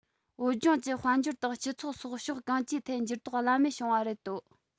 བོད ལྗོངས ཀྱི དཔལ འབྱོར དང སྤྱི ཚོགས སོགས ཕྱོགས གང ཅིའི ཐད འགྱུར ལྡོག བླ མེད བྱུང བ རེད དོ